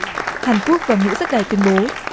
hàn quốc và ngũ giác đài tuyên bố